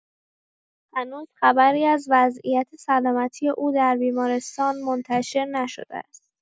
هنوز خبری از وضعیت سلامتی او در بیمارستان منتشر نشده است.